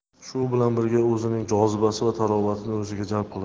shu bilan birga o'zining jozibasi va tarovati o'ziga jalb qiladi